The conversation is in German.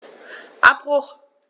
Abbruch.